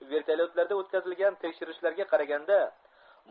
vertolyotlarda o'tkazilgan tekshirishlarga qaraganda